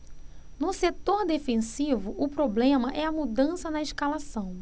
no setor defensivo o problema é a mudança na escalação